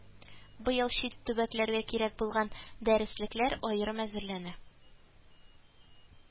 Быел чит төбәкләргә кирәк булган дәреслекләр аерым әзерләнә